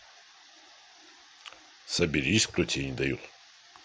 соберись кто тебе не дает